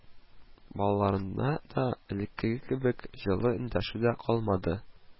Балаларына да элекке кебек җылы эндәшүе калмады